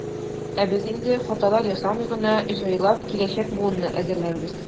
Ә без инде, хаталар ясамый гына, җайлап киләчәк буынны әзерләрбез.